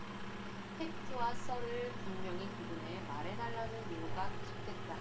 팩트와 설을 분명히 구분해 말해 달라는 요구가 계속됐다